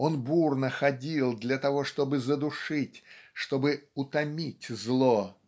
Он бурно ходил для того, чтобы задушить, чтобы утомить зло.